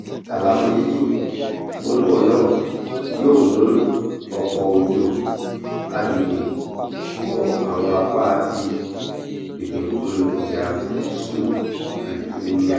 Àlàfo jínjìn tó ń bọ̀ náà yóò mú ọ̀pọ̀ òjò agbègbè wọ àwọn apá ti bèbè okùn ìhà Gúúsù California.